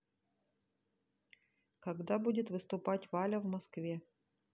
когда будет выступать валя в москве